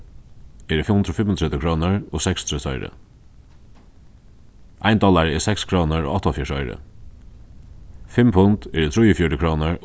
eru fimm hundrað og fimmogtretivu krónur og seksogtrýss oyru ein dollari er seks krónur og áttaoghálvfjerðs oyru fimm pund eru trýogfjøruti krónur